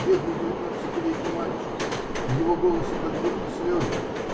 Бедный девятнадцатилетний мальчик, в его голосе как будто слезы!